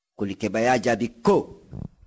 kolikɛba y'a jaabi ko